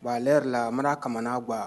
à l'heure la a man'a kamana gan!